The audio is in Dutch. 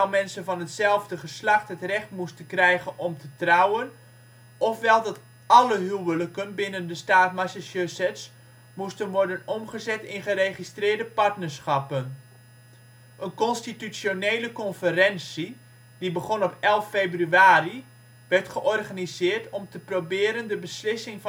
mensen van hetzelfde geslacht het recht moesten krijgen om te trouwen, ofwel dat alle huwelijken binnen de staat Massachusetts moesten worden omgezet in geregistreerde partnerschappen. Een constitutionele conferentie, die begon op 11 februari, werd georganiseerd om te proberen de beslissing